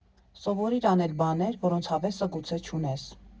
Սովորիր անել բաներ, որոնց հավեսը գուցե չունես։